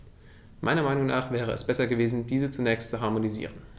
Meiner Meinung nach wäre es besser gewesen, diese zunächst zu harmonisieren.